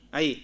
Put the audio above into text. a yiyii